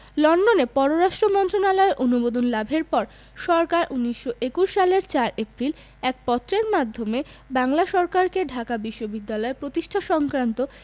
লন্ডনে পররাষ্ট্র মন্ত্রণালয়ের অনুমোদন লাভের পর সরকার ১৯২১ সালের ৪ এপ্রিল এক পত্রের মাধ্যমে বাংলা সরকারকে ঢাকায় বিশ্ববিদ্যালয় প্রতিষ্ঠা সংক্রান্ত